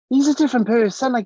He's a different person like...